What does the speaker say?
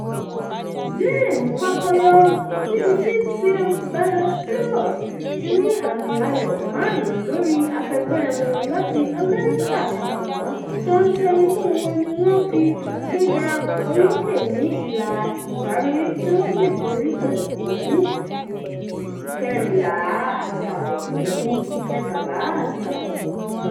The Dane fakọyọ ní ọdún 1997 ní Valderrama, níbití Seve Ballesteros ti ní àmì ayò márùn lórí akẹgbẹ́ wọn láti Amerika, ṣùgbọ́n ṣóńsó imú wọn ní wọ́n fí gbégbá orókè ní ìlà-ìparí tí wọ́n sì borí pẹ̀lú 14½-13½.